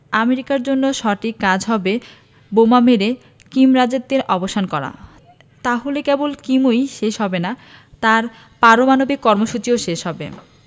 আমেরিকার জন্য সঠিক কাজ হবে বোমা মেরে কিম রাজত্বের অবসান করা তাহলে কেবল কিমই শেষ হবে না তাঁর পারমাণবিক কর্মসূচিও শেষ হবে